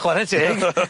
Chware teg.